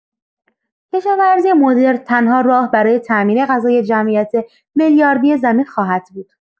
کشاورزی مدرن تنها راه برای تأمین غذای جمعیت میلیاردی زمین خواهد بود.